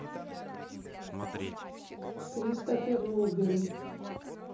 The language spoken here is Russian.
кристофер робин